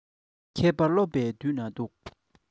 མཁས པ སློབ པའི དུས ན སྡུག